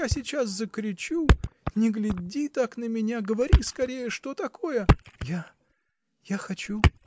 я сейчас закричу, не гляди так на меня говори скорее, что такое! -- Я. я хочу.